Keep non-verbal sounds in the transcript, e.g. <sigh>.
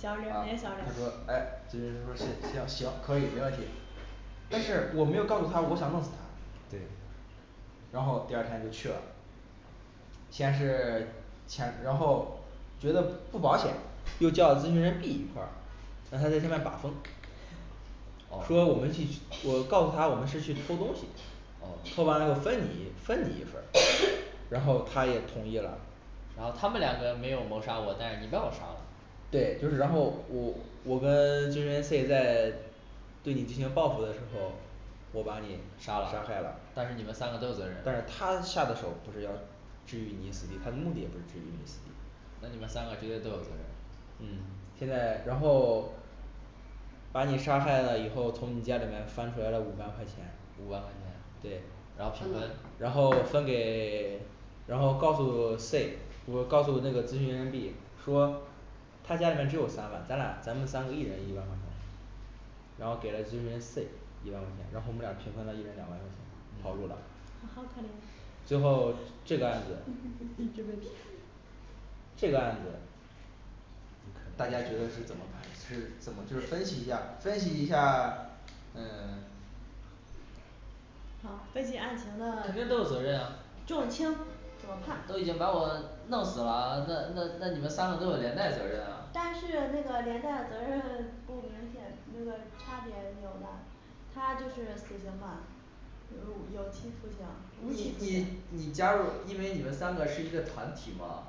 交流减少点他说儿诶，咨询人说C 行行，可以没问题但是我没有告诉他，我想弄死他，对然后第二天就去了，先是钱然后，觉得不保险，又叫咨询人B一块儿，让他在前面把风哦说我们去我告诉他我们是去偷东西，哦偷完了以后分你分你一份儿，然后他也同意了，然后他们两个没有谋杀我，但是你把杀我了。对，就是然后我我跟 <silence> 咨询员C在对你进行报复的时候，我把你杀杀了害了但是你们三个都有责任，但是他下的手不是要至于你死地，他的目的也不是置于你死地那你们三个绝对都有责任。嗯现在然后把你杀害了以后，从你家里面翻出来了五万块钱五万块钱，对，他然后平分们然后分给 <silence> 然后告诉C我告诉那个咨询人B说他家里面只有三万，咱俩咱们三个一人一万块钱，然后给了咨询人C一万块钱，然后我们俩平分了一人两万块钱。跑路了好可怜。最后这个案子 <noise> 一直未给这个案子大家觉得是怎么判，是怎么就是分析一下儿，分析一下儿，嗯 <silence> 好分析案情的肯定都有责任啊，重轻这么判都已经把我弄死了，那那那你们三个都有连带责任啊，但是那个连带责任不明显，就是差别没有吧，他就是死刑吧。有有期徒刑，无期你徒你刑你加入因为你们三个是一个团体嘛，